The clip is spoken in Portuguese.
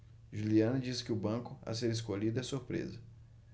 juliana disse que o banco a ser escolhido é surpresa